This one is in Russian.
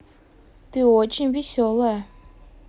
ты очень веселая